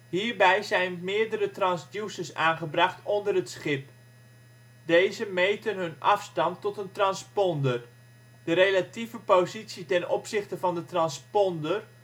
Hierbij zijn meerdere transducers aangebracht onder het schip. Deze meten hun afstand tot een transponder. De relatieve positie ten opzichte van de transponder